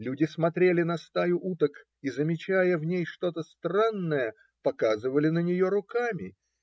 Люди смотрели на стаю уток и, замечая в ней что-то странное, показывали на нее руками.